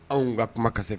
Anw ka kuma kasɛ